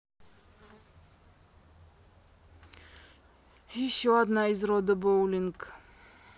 еще одна из рода боулинг